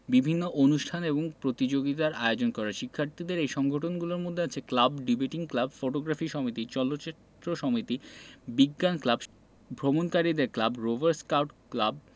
বিভিন্ন অনুষ্ঠান এবং প্রতিযোগিতার আয়োজন করে শিক্ষার্থীদের এই সংগঠনগুলোর মধ্যে আছে ক্লাব ডিবেটিং ক্লাব ফটোগ্রাফিক সমিতি চলচ্চিত্র সমিতি বিজ্ঞান ক্লাব ভ্রমণকারীদের ক্লাব রোভার স্কাউট ক্লাব